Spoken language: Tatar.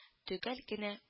Төгәл генә